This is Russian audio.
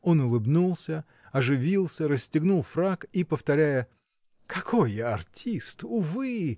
он улыбнулся, оживился, расстегнул фрак и, повторяя: "Какой я артист, увы!